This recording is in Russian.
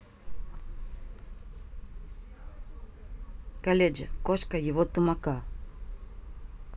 kolegi кошка его тумака